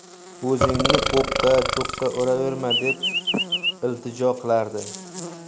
o'zingni o'qqa cho'qqa uraverma deb iltijo qilardi